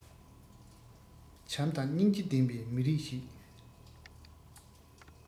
བྱམས དང སྙིང རྗེ ལྡན པའི མི རིགས ཤིག